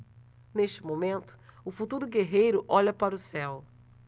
neste momento o futuro guerreiro olha para o céu